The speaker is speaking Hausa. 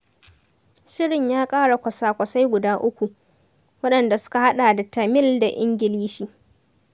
Shirin ya ƙara kwasa-kwasai guda uku, waɗanda suka haɗa da Tamil da Ingilishi.